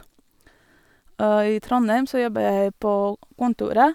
I Trondheim så jobber jeg på kontoret.